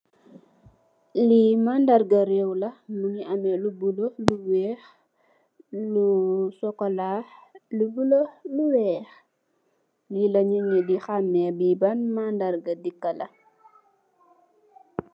Li mandarga rëw la, mungi ameh lu bulo, lu weeh, lu sokola, lu bulo, lu weeh. Li la nit yi di hammè li ban mandarga daka la.